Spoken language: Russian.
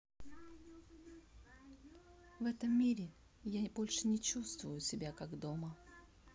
в этом мире я больше не чувствую себя как дома